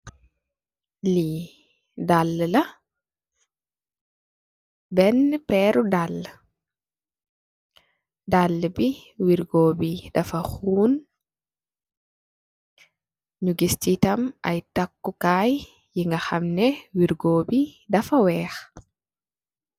Li daala la bena peri daala daala bi wergo bi dafa huun nu giss si tam ay takukai yi nga hamne wergo bi dafa weex.